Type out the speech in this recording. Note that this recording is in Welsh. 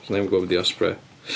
'Sa neb yn gwbod be' 'di osprey.